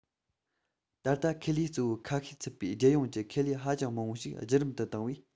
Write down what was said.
ད ལྟ ཁེ ལས གཙོ བོ ཁ ཤས ཚུད པའི རྒྱལ ཡོངས ཀྱི ཁེ ལས ཧ ཅང མང པོ ཞིག གཞི རིམ དུ བཏང བས